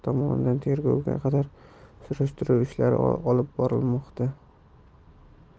tomonidan tergovga qadar surishtiruv ishlari olib borilmoqda